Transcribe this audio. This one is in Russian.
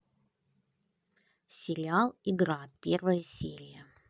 сериал игра первая серия